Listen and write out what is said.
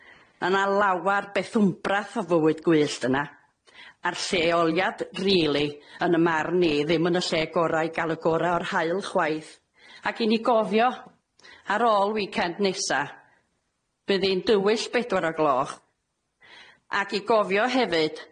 Na' na lawar bethwmbrath o fywyd gwyllt yna a'r lleoliad rili yn y marn i ddim yn y lle gora' i ga'l y gora' o'r haul chwaith ac i ni gofio ar ôl weekend nesa bydd i'n dywyll bedwar o gloch ac i gofio hefyd